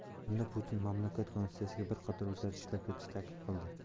unda putin mamlakat konstitutsiyasiga bir qator o'zgartirishlar kiritishni taklif qildi